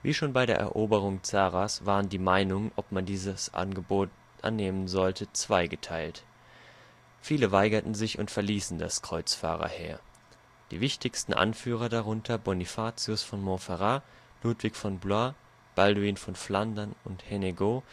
schon bei der Eroberung Zaras waren die Meinungen, ob man diese Angebot annehmen sollte, zweigeteilt. Viele weigerten sich und verließen das Kreuzfahrerheer. Die wichtigsten Anführer, darunter Bonifatius von Montferrat, Ludwig von Blois, Balduin von Flandern und Hennegau